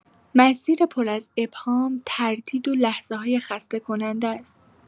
مسیر پر از ابهام، تردید و لحظه‌های خسته‌کننده است.